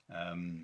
Yym.